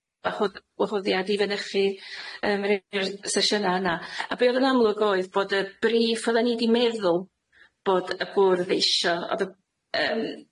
wahodd- wahoddiad i fynychu yym rei o'r sesiyna yna. A be' o'dd yn amlwg oedd bod y briff odden ni 'di meddwl bod y bwrdd eisio, o'dd y- yym